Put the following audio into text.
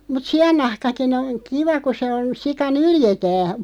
mutta siannahkakin on kiva kun se on sika nyljetään